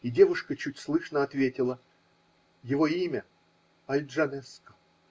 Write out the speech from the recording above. И девушка чуть слышно ответила: -- Его имя Аль-Джанеско.